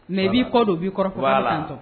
Mɛ i b'i kɔ don b'i kɔrɔlantɔ